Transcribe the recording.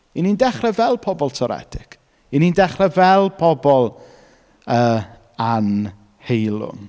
‘Y ni'n dechrau fel pobl toredig. ‘Y ni'n dechrau fel pobl, yy anheilwng.